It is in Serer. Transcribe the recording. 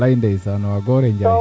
walay ndeysaan waaw goore Njaay